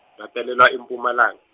ngatalelwa eMpumalanga.